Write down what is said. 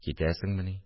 Китәсеңмени